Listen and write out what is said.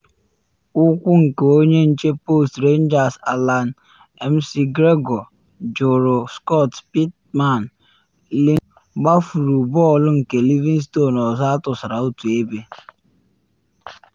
Ụkwụ nke onye nche post Rangers Allan McGregor jụrụ Scott Pittman, Lithgow gbafuru bọọlụ nke Livingston ọzọ atụsara otu ebe.